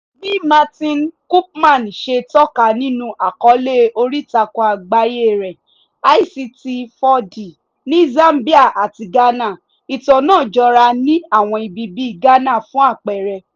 Bí Martine Koopman ṣe tọ́ka nínú àkọọ́lẹ̀ oríìtakùn àgbáyé rẹ̀ ICT4D ní Zambia àti Ghana, ìtàn náà jọra ní àwọn ibi bíi Ghana, fún àpẹẹrẹ.